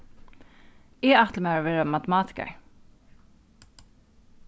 eg ætli mær at vera matematikari